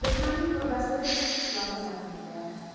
dushmanning murdasini qishlog'i yaqiniga